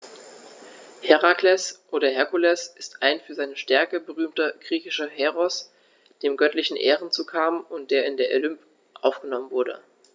Herakles oder Herkules ist ein für seine Stärke berühmter griechischer Heros, dem göttliche Ehren zukamen und der in den Olymp aufgenommen wurde.